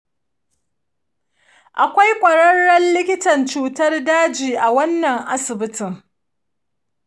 akwai ƙwararren likitan cutar daji a wannan asibitin?